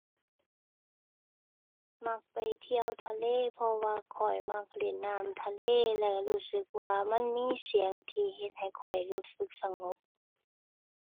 มักไปเที่ยวทะเลเพราะว่าข้อยมักเล่นน้ำทะเลแล้วรู้สึกว่ามันมีเสียงที่เฮ็ดให้ข้อยรู้สึกสงบ